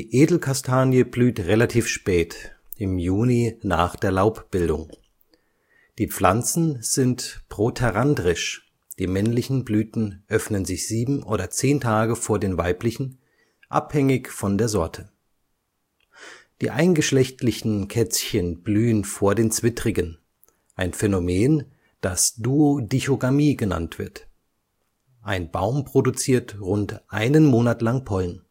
Edelkastanie blüht relativ spät, im Juni nach der Laubbildung. Die Pflanzen sind proterandrisch, die männlichen Blüten öffnen sich bis sieben oder zehn Tage vor den weiblichen, abhängig von der Sorte. Die eingeschlechtlichen Kätzchen blühen vor den zwittrigen – ein Phänomen, das Duodichogamie genannt wird. Ein Baum produziert rund einen Monat lang Pollen